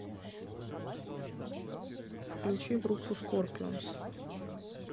включи группу скорпионс